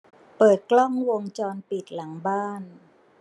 เปิดกล้องวงจรปิดหลังบ้าน